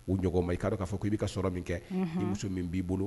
O ɲɔgɔn ma i k'a dɔn k'a fɔ k'i be ka sɔrɔ min kɛ unhun i muso min b'i bolo